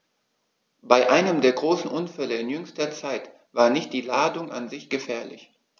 Bei einem der großen Unfälle in jüngster Zeit war nicht die Ladung an sich gefährlich.